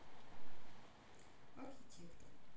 архитектор